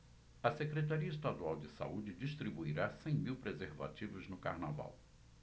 a secretaria estadual de saúde distribuirá cem mil preservativos no carnaval